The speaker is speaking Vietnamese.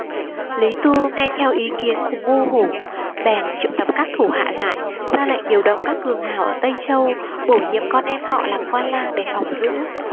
lý tu nghe theo ý kiến của ngu hủ bèn triệu tập các thủ hạ lại ra lệnh điều động các cường hào ở tây châu bổ nhiệm con em họ làm quan lang để phòng giữ